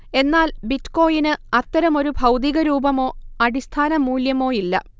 എന്നാൽ ബിറ്റ്കോയിന് അത്തരമൊരു ഭൗതികരൂപമോ അടിസ്ഥാന മൂല്യമോയില്ല